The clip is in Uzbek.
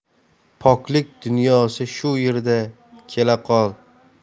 poklik dunyosi shu yerda kela qol